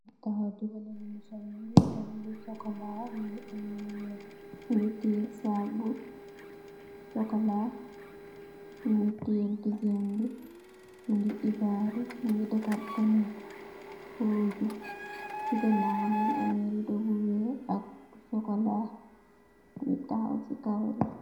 Ku takhaw dii wohneh lum sol, mungy sol lu chocolat, mungy ameh lu wekh, mungy tiyeh sac bu chocolat, mungy tiyeh ndigam bii, mungy ebadu, mungy defarr kanam, pur jok cii ganaw mungy ameh ridoh bu wekh ak chocolat, mungy takhaw cii kaaroh bii.